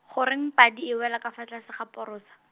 goreng padi e wela ka fa tlase ga porosa?